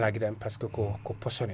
ala gueɗal parceque ko ko posone